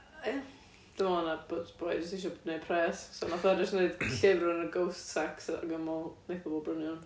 ee dwi meddwl ma' 'na... bod boi jyst isio neud pres so nath o neud llyfr o'r enw ghost sex ac o'dd o'n meddwl neith pobl brynu hwn